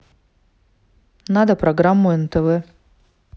надо программу нтв